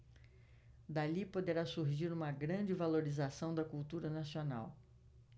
dali poderá surgir uma grande valorização da cultura nacional